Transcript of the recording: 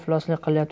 ifloslik qilyapti